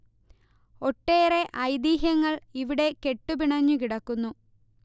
ഒട്ടെറെ ഐതിഹ്യങ്ങൾ ഇവിടെ കെട്ടു പിണഞ്ഞു കിടക്കുന്നു